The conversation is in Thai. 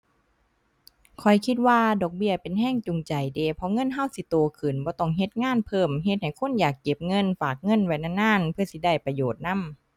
ข้อยคิดว่าดอกเบี้ยเป็นแรงจูงใจเดะ เพราะเงินแรงสิโตขึ้น บ่ต้องเฮ็ดงานเพิ่ม เฮ็ดให้คนอยากเก็บเงิน ฝากเงินไว้นานนานเพื่อสิได้ประโยชน์นำ